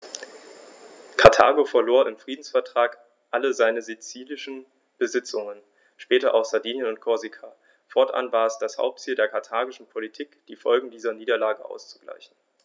Karthago verlor im Friedensvertrag alle seine sizilischen Besitzungen (später auch Sardinien und Korsika); fortan war es das Hauptziel der karthagischen Politik, die Folgen dieser Niederlage auszugleichen.